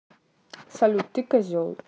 салют ты козел